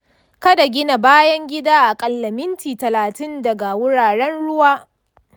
ka gina bayan gida aƙalla mita talatin daga wuraren ruwa.